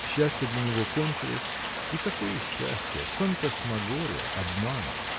Счастье для него кончилось, и какое счастье? фантасмагория, обман.